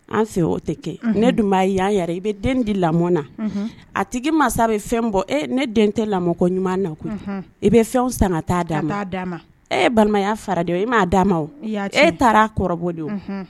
An fɛ o tɛ kɛ ne dun b'a an yɛrɛ i bɛ den di lamɔ na a tigi masa bɛ fɛn bɔ e ne den tɛ lamɔko ɲuman na i bɛ fɛn san ka taa d'a ma' ma e balimaya fara e m'a d'a ma o e taara' kɔrɔbɔ don